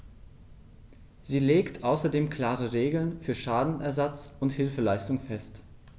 Sie legt außerdem klare Regeln für Schadenersatz und Hilfeleistung fest.